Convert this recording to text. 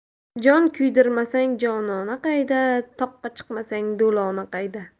jon kuydirmasang jonona qayda toqqa chiqmasang do'lona qayda